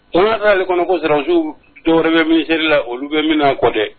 Tɔn'ale kɔnɔ ko rasiw dɔw bɛ min h la olu bɛ min na kɔ dɛ